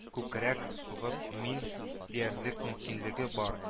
Күкрәк сугып «мин!» — диярлек мөмкинлеге бар